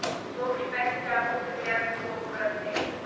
sou uma espécie de amor secreto do povo brasileiro